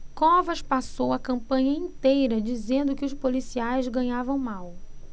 covas passou a campanha inteira dizendo que os policiais ganhavam mal